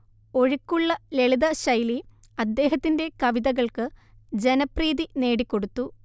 ഒഴുക്കുള്ള ലളിതശൈലി അദ്ദേഹത്തിന്റെ കവിതകൾക്ക് ജനപ്രീതി നേടിക്കൊടുത്തു